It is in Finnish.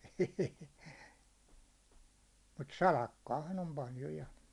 ei mutta salakkaahan on paljon ja